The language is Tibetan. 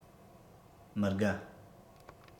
མི དགའ